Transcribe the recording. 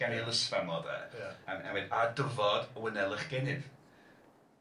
Gan ei lysfam o'dd e. Ia. Yym a ma' weud a dyfod wnel 'ych genydd.